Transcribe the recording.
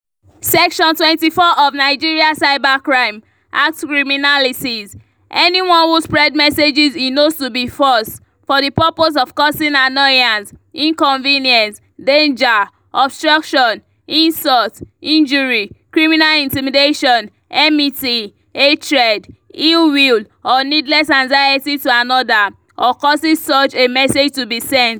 Section 24 of Nigeria’s Cybercrime Act criminalises "anyone who spreads messages he knows to be false, for the purpose of causing annoyance, inconvenience, danger, obstruction, insult, injury, criminal intimidation, enmity, hatred, ill will or needless anxiety to another or causes such a message to be sent."